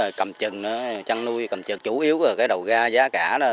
cầm chừng thôi chăn nuôi cầm chừng chủ yếu ở cái đầu ra giá cả nó